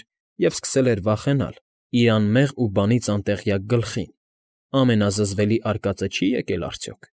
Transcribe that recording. Էր և սկսել էր վախենալ՝ իր անմեղ ու բանից անտեղյակ գլխին… ամենազզվելի արկածը չի՞ եկել արդյոք։